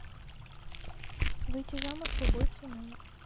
выйти замуж любой ценой